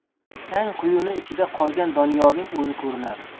chang quyuni ichida qolgan doniyorning uzi ko'rinadi